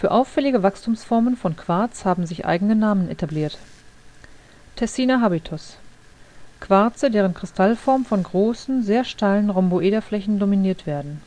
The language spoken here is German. auffällige Wachstumsformen von Quarz haben sich eigene Namen etabliert: Tessiner Habitus: Quarze, deren Kristallform von großen, sehr steilen Rhomboederflächen dominiert werden